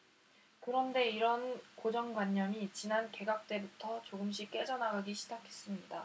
그런데 이런 고정관념이 지난 개각 때부터 조금씩 깨져나가기 시작했습니다